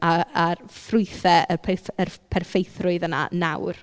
A a ffrwythau y peiff- yr perffeithrwydd yna nawr.